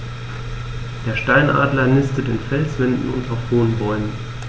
Der Steinadler nistet in Felswänden und auf hohen Bäumen.